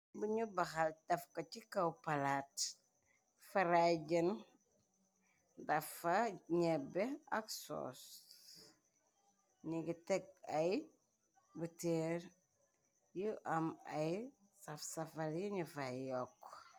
Buñu baxal dafka ci kaw palaat faray jëen defa ñyebbe ak soos ningi teg ay botale yu am ay safsafal yi nufay yokka